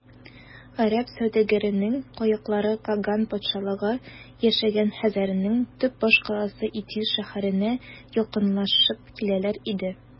Гарәп сәүдәгәренең каеклары каган патшалыгы яшәгән хәзәрнең төп башкаласы Итил шәһәренә якынлашып киләләр иде.